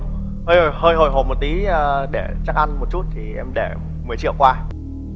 hơi hơi hồi hộp một tí để chắc ăn một chút thì em đã mười triệu qua